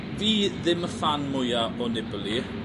fi ddim y ffan mwya o Nibali.